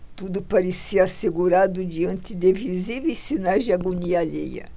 tudo parecia assegurado diante de visíveis sinais de agonia alheia